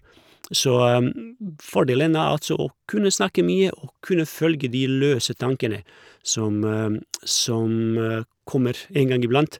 Så fordelen er altså å kunne snakke mye og kunne følge de løse tankene som som kommer en gang iblant.